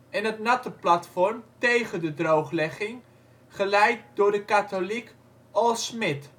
en het natte platform (tegen de Drooglegging, geleid door de katholiek Al Smith